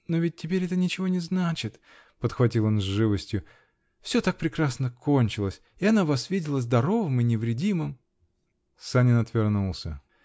Но ведь теперь это ничего не значит, -- подхватил он с живостью, -- все так прекрасно кончилось, и она вас видела здоровым и невредимым! Санин отвернулся.